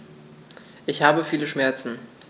Ich habe viele Schmerzen.